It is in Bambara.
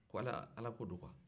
ko ala ko don kuwa